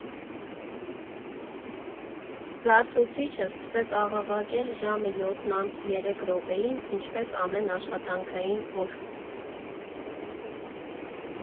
Զարթուցիցչը սկսեց աղաղակել ժամը յոթն անց երեք րոպեին՝ ինչպես ամեն աշխատանքային օր։